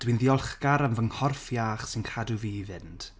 Dwi'n ddiolchgar am fy nghorff iach sy'n cadw fi i fynd.